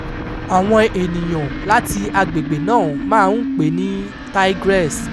Àwọn ènìyàn láti agbègbè náà máa ń pè é ní "tigress".